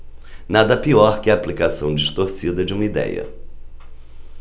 nada pior que a aplicação distorcida de uma idéia